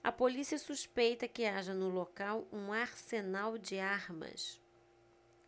a polícia suspeita que haja no local um arsenal de armas